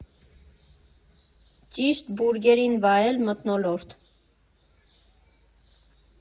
Ճիշտ բուրգերին վայել մթնոլորտ։